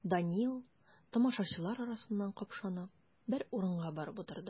Данил, тамашачылар арасыннан капшанып, бер урынга барып утырды.